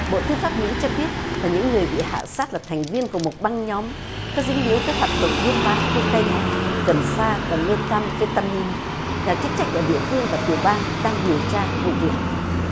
bộ tư pháp mỹ cho biết là những người bị hạ sát là thành viên của một băng nhóm có dính líu tới hoạt động buôn bán cô ca in cần sa và mê tha phê ta min nhà chức trách ở địa phương và tiểu bang đang điều tra vụ việc